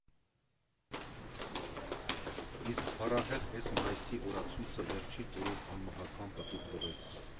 Իսկ փառահեղ էս մայիսի օրացույցը վերջին օրով անմահական պտուղ տվեց.